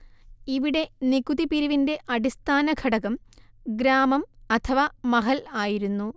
ഇവിടെ നികുതിപിരിവിന്റെ അടിസ്ഥാനഘടകം ഗ്രാമം അഥവാ മഹൽ ആയിരുന്നു